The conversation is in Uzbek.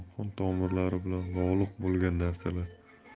qon tomirlari bilan bog'liq bo'lgan narsalar